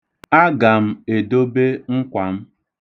Aga m edobe nkwa m.